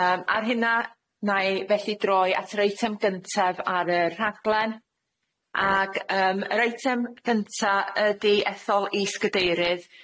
Yym ar hynna 'nai felly droi at yr eitem gyntaf ar y rhaglen, ag yym yr eitem gynta ydi ethol is-gadeirydd